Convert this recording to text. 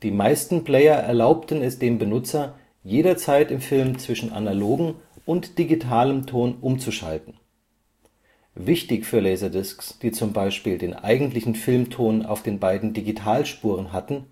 meisten Player erlaubten es dem Benutzer, jederzeit im Film zwischen analogem und digitalem Ton umzuschalten - wichtig für Laserdiscs, die z.B. den eigentlichen Filmton auf den beiden Digitalspuren hatten